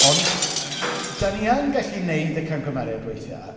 Ond, dan ni yn gallu neud y cangymeriad weithiau.